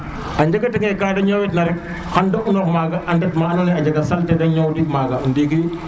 a ñenga ta nge kata ñowit na rek xan da unoox maga a ndet ma andona ye a njega salté de ñow nik maaga ndiki